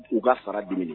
U ka fara dumuni